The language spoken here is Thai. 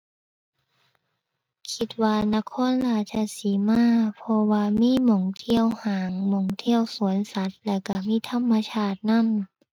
คิดว่านครราชสีมา เพราะว่ามีหม้องเที่ยวห้าง หม้องเที่ยวสวนสัตว์ แล้วก็มีธรรมชาตินำ